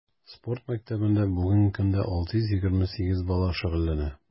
Спорт мәктәбендә бүгенге көндә 628 бала шөгыльләнә.